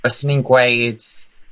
Byswn i'n gweud